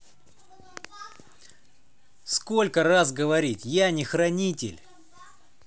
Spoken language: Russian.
сколько раз говорить я не хранитель